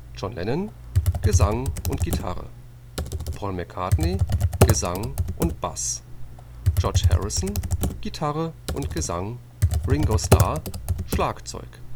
John Lennon: Gesang, Gitarre Paul McCartney: Gesang, Bass George Harrison: Gitarre, Gesang Ringo Starr: Schlagzeug